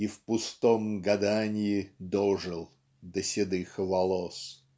и в пустом гаданье дожил до седых волос".